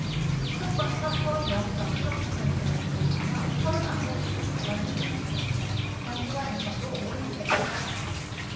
수도권에선 서울이 영 쩜 일 오 퍼센트를 기록하며 서른 아홉 주 연속 상승했고 경기와 인천도 오름세를 이어갔다